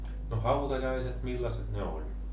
no hautajaiset millaiset ne oli